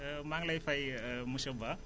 maa ngi lay fay monsieur Ba